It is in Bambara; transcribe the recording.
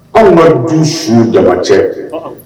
Kale ma du su ye jama cɛ ɔhɔn